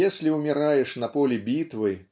Если умираешь на поле битвы